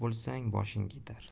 bo'lsang boshing ketar